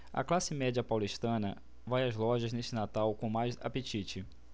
a classe média paulistana vai às lojas neste natal com mais apetite